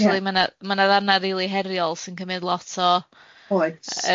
ond acshyli ma' na ma' na ddarna rili heriol sy'n cymyd lot o... Oes...